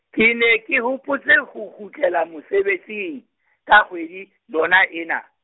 ke ne ke hopotse ho kgutlela mosebetsing, ka kgwedi, yona ena.